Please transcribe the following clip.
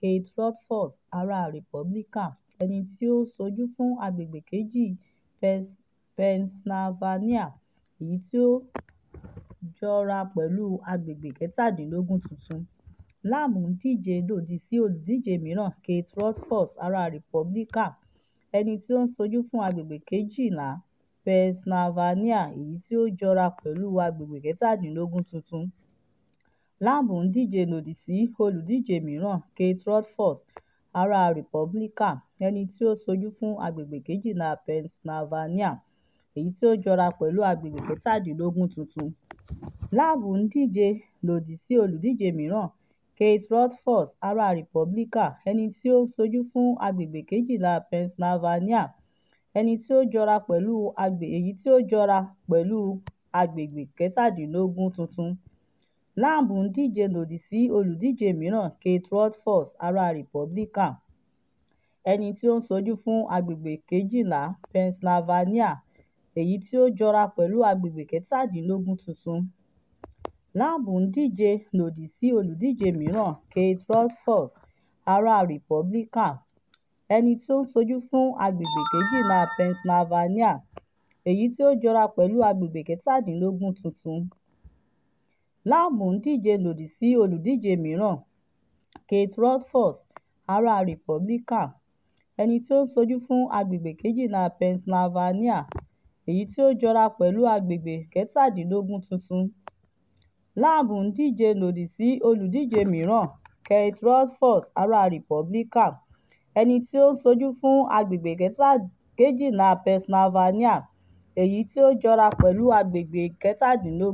Keith Rothfus ará Republican, ẹni tí ó ń ṣojú fún agbègbè kejìlá Pennsylvania, èyí tí ó jọra pẹ̀lú agbẹ̀gbẹ̀ kẹ́tàdínlógún tuntun.